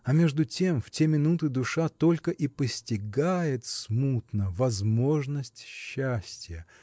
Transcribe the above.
а между тем в те минуты душа только и постигает смутно возможность счастья